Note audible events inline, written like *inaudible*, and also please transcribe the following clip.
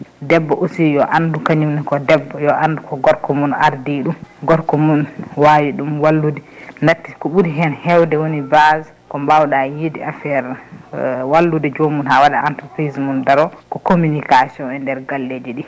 debbo aussi yo andu kañumne ko debbo yo andu ko gorko mum ardi ɗum gorko mun wawi ɗum wallude dakhte ko ɓuuri hewde woni base ko mbawɗa yiide e affaire *hesitation* wallude joomum ha waɗa entreprise mum daaro ko communication e nder galleji ɗi